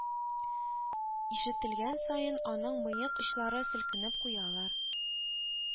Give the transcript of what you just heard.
Ишетелгән саен, аның мыек очлары селкенеп куялар